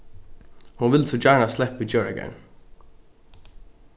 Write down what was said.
hon vildi so gjarna sleppa í djóragarðin